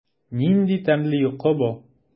Нинди тәмле йокы бу!